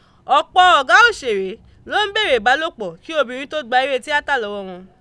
Ọ̀pọ̀ ọ̀gá òṣèré ló ń bèèrè ìbálòpọ̀ kí obìnrin tó gba eré tíátà lọ́wọ́ wọn.